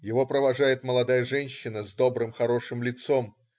Его провожает молодая женщина с добрым, хорошим лицом.